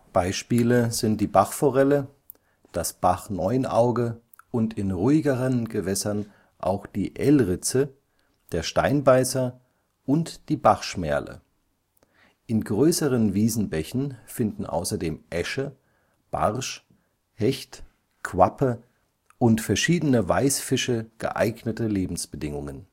Beispiele sind die Bachforelle, das Bachneunauge und in ruhigeren Gewässern auch die Elritze, der Steinbeißer und die Bachschmerle. In größeren Wiesenbächen finden außerdem Äsche, Barsch, Hecht, Quappe und verschiedene Weißfische geeignete Lebensbedingungen